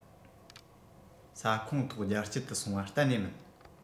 ས ཁོངས ཐོག རྒྱ སྐྱེད དུ སོང བ གཏན ནས མིན